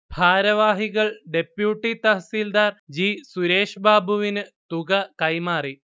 ഭാരവാഹികൾ deputy tahsildar G. സുരേഷ്ബാബുവിന് തുക കൈമാറി